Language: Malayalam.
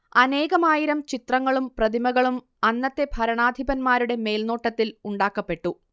അനേകമായിരം ചിത്രങ്ങളും പ്രതിമകളും അന്നത്തെ ഭരണാധിപന്മാരുടെ മേൽനോട്ടത്തിൽ ഉണ്ടാക്കപ്പെട്ടു